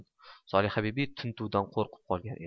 solihabibi tintuvdan qo'rqib qolgan edi